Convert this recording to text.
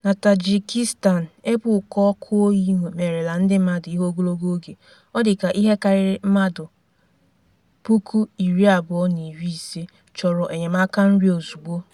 Na Tajikistan, ebe ụkọ ọkụ oyi merela ndị mmadụ ihe ogologo oge, ọ dịka ihe karịrị mmadụ 260,000 chọrọ enyemaka nri ozugbo.